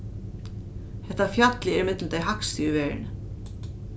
hetta fjallið er millum tey hægstu í verðini